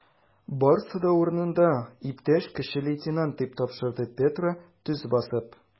Барысы да урынында, иптәш кече лейтенант, - дип тапшырды Петро, төз басып.